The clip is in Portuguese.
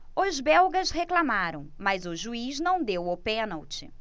os belgas reclamaram mas o juiz não deu o pênalti